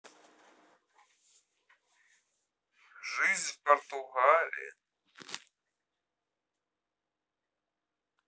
жизнь в португалии